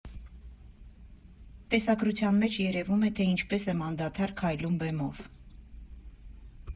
Տեսագրության մեջ երևում է, թե ինչպես եմ անդադար քայլում բեմով։